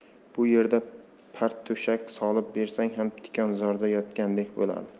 bu yerda parto'shak solib bersang ham tikonzorda yotgandek bo'ladi